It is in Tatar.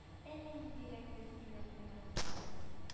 Әллә ниндирәк сез инертный газ сыманрак